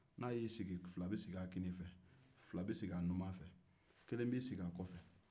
n'a y'i sigi fila bɛ sigi a numan fɛ fila bɛ sigi a kinin fɛ kelen bɛ sigi a kɔfɛ kelen bɛ sigi a ɲɛfɛ